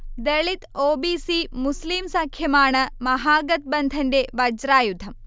ദളിത്-ഒ. B. C- മുസ്ലീം സഖ്യമാണ് മഹാഗത്ബന്ധന്റെ വജ്രായുധം